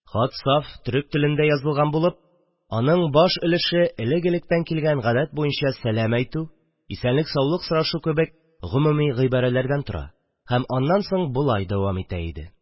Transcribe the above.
Хат саф төрек телендә язылган булып*, аның баш өлеше, элек-электән килгән гадәт буенча, сәлам әйтү, исәнлек-саулык сорашу кебек гомуми гыйбәрәләрдән тора һәм аннан соң болай давам итә иде: